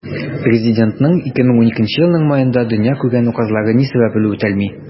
Президентның 2012 елның маенда дөнья күргән указлары ни сәбәпле үтәлми?